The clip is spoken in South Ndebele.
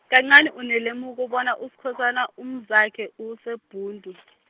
kancani unelemuko bona Uskhosana umzakhe useBhundu .